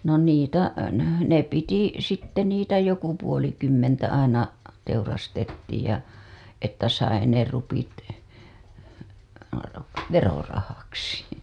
no niitä ne piti sitten niitä joku puolikymmentä aina teurastettiin ja että sai ne rupit verorahaksi